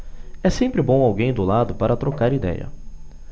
é sempre bom alguém do lado para trocar idéia